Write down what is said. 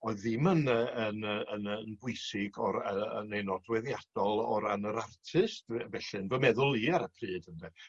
oedd ddim yn y yn y yn y yn bwysig o'r yy yn rei nodweddiadol o ran yr artist fy- felly yn fy meddwl i ar y pryd ynde.